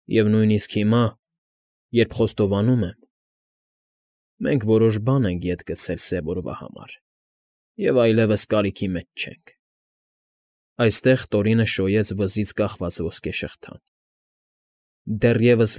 Եվ նույնիսկ հիմա, երբ խոստովանում եմ, մենք որոշ բան ետ ենք գցել սև օրվա համար և այլևս կարիքի մեջ չենք (այստեղ Տորինը շոյեց վզից կախված ոսկե շղթան), դեռևս։